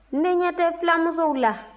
ne ɲɛ tɛ fulamusow la